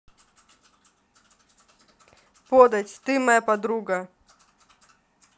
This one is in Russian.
подать ты моя подруга